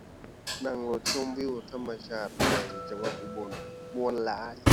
นั่งรถชมวิวธรรมชาติไปจังหวัดอุบล ม่วนหลาย